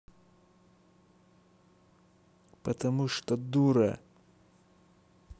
потому что дура